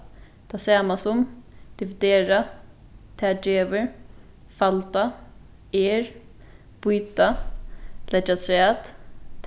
tað sama sum dividera tað gevur falda er býta leggja afturat